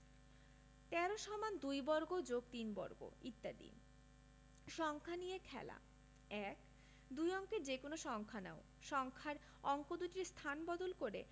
১৩ = ২ বর্গ + ৩ বর্গ ইত্যাদি সংখ্যা নিয়ে খেলা ১ দুই অঙ্কের যেকোনো সংখ্যা নাও সংখ্যার অঙ্ক দুইটির স্থান বদল করে